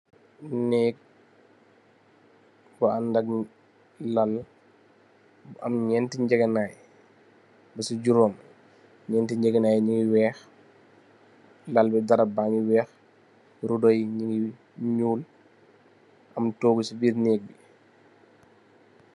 Nèeg bu andak lal am nènt ngegenaay ba ci juróom. Nènt ngegenaay yu nungi weeh, lal bi darap bs ngi weeh, riddo yi nungi ñuul am toogu ci biir nèeg bi.